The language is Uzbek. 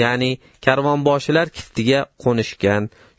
ya'ni karvonboshilar kiftiga qo'nishgan